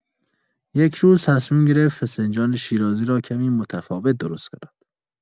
یک روز، تصمیم گرفت فسنجان شیرازی را کمی متفاوت درست کند.